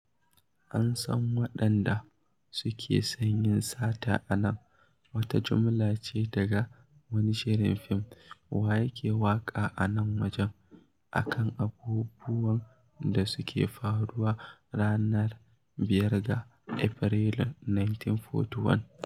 An san waɗanda suke son yin sata a nan! wata jimla ce daga wani shirin fim "Wa yake waƙa a nan wajen?" a kan abubuwan da suke faruwa ranar 5 ga Aprilun 1941.